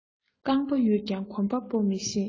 རྐང པ ཡོད ཀྱང གོམ པ སྤོ ནི ཤེས